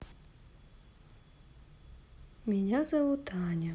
меня зовут аня